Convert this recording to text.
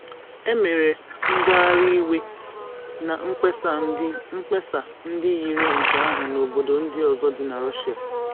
E mere ngagharị iwe na mkpesa ndị yiri nke ahụ n'obodo ndị ọzọ dị na Russia.